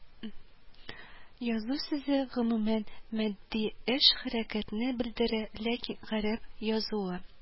Язу сүзе, гомумән, матди эш-хәрәкәтне белдерә, ләкин гарәп язуы